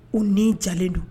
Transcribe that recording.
U ni jalen don